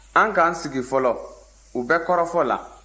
an k'an sigi fɔlɔ u bɛ kɔrɔfɔ la